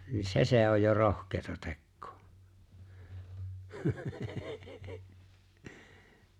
niin se se on jo rohkeata tekoa